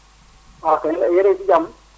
waaw kay yéen a ngi si jàmm